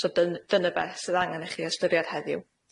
So dyn- dyna beth sydd angen i chi ystyried heddiw.